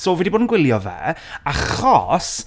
so fi 'di bod yn gwylio fe, achos...